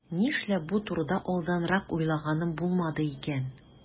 Нишләп бу турыда алданрак уйлаганым булмады икән?